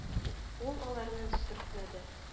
Ул аларны сөртмәде